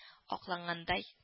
Аклангандай